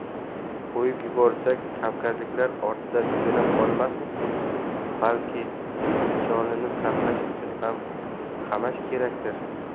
qo'yib yuborsak kavkazliklar ortidan jo'nab qolmasmikin balki jonini saqlash uchun ham qamash kerakdir